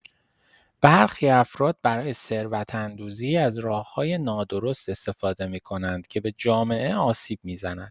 برخی افراد برای ثروت‌اندوزی از راه‌های نادرست استفاده می‌کنند که به جامعه آسیب می‌زند.